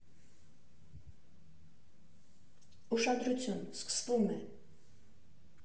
Ուշադրություն, սկսվում է…